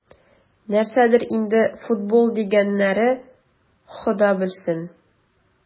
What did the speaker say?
Нәрсәдер инде "футбол" дигәннәре, Хода белсен...